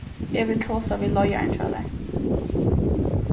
eg vil tosa við leiðaran hjá tær